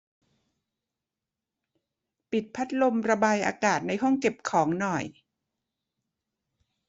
ปิดพัดลมระบายอากาศในห้องเก็บของหน่อย